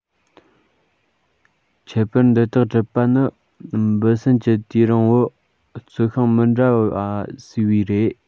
ཁྱད པར འདི དག གྲུབ པ ནི འབུ སྲིན གྱིས དུས རིང པོར རྩི ཤིང མི འདྲ བ བཟས པས རེད